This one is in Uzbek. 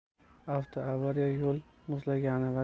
avtoavariya yo'l muzlagani va